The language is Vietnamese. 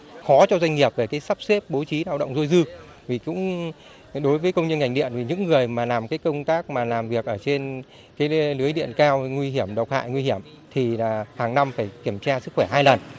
khó cho doanh nghiệp về cái sắp xếp bố trí lao động dôi dư vì cũng đối với công nhân ngành điện thì những người mà làm cái công tác mà làm việc ở trên cái lưới điện cao nguy hiểm độc hại nguy hiểm thì là hằng năm phải kiểm tra sức khỏe hai lần